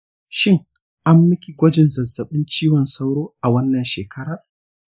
shin an miki gwajin zazzabin cizon sauro a wannan shekaran?